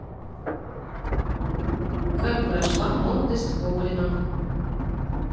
как прошла молодость кобрина